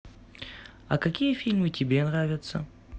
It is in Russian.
а какие фильмы тебе нравятся